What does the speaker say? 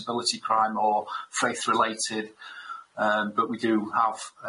be disability crime or faith related yym but we do have